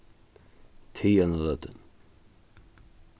tig eina løtu